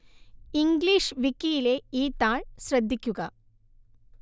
English വിക്കിയിലെ ഈ താൾ ശ്രദ്ധിക്കുക